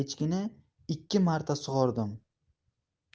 echkini ikki marta sug'ordim